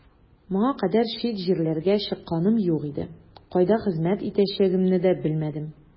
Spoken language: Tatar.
Моңа кадәр чит җирләргә чыкканым юк иде, кайда хезмәт итәчәгемне дә белмәдем.